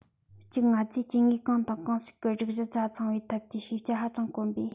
གཅིག ང ཚོས སྐྱེ དངོས གང དང གང ཞིག གི སྒྲིག གཞི ཆ ཚང བའི ཐད ཀྱི ཤེས བྱ ཧ ཅང དཀོན པས